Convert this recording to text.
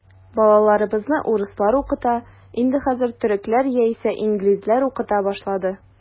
Балаларыбызны урыслар укыта, инде хәзер төрекләр яисә инглизләр укыта башлады.